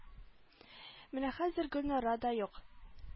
Менә хәзер гөлнара да юк